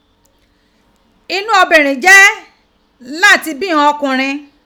Inu obinrin je lati bi iran okunrin.